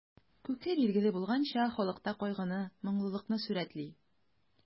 Күке, билгеле булганча, халыкта кайгыны, моңлылыкны сурәтли.